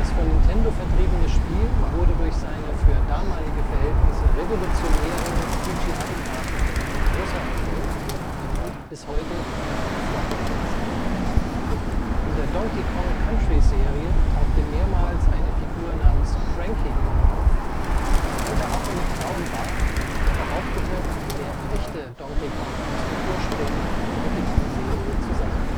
von Nintendo vertriebene Spiel wurde durch seine für damalige Verhältnisse revolutionären CGI-Grafiken ein großer Erfolg und bis heute mehrfach fortgesetzt. In der Donkey Kong Country Serie tauchte mehrmals eine Figur namens Cranky Kong auf, ein alter Affe mit grauem Bart, der behauptete, der echte Donkey Kong aus der ursprünglichen Donkey Kong Serie zu sein